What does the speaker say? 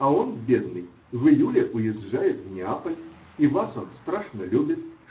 А он, бедный, в июле уезжает в Неаполь, и вас он страшно любит.